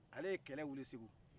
ale ye kɛlɛ wili segu